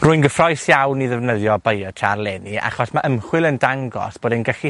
Rwy'n gyffrous iawn i ddefnyddio biochar leni, achos ma' ymchwil yn dangos bod e'n gallu